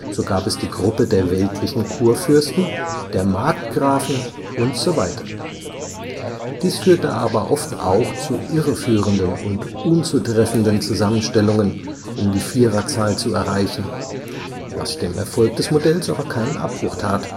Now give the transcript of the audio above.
So gab es die Gruppe der weltlichen Kurfürsten, der Markgrafen und so weiter. Dies führte aber oft auch zu irreführenden und unzutreffenden Zusammenstellungen, um die Viererzahl zu erreichen, was dem Erfolg des Modells aber keinen Abbruch tat